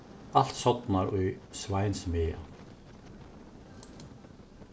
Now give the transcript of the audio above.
alt sodnar í sveins maga